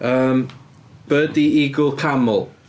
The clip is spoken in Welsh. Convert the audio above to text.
Yym, Birdie, Eagle, Camel.